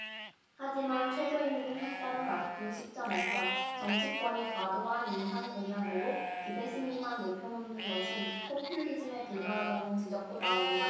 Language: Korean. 하지만 최저임금 협상을 앞둔 시점에서 정치권이 과도한 인상 공약으로 기대심리만 높여놓는 것은 포퓰리즘에 불과하다는 지적도 나온다